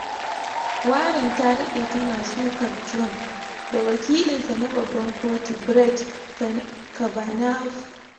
Warren ta dade tana sukar Trump da Wakilin sa na Babban Kotu Brett Kavanaugh.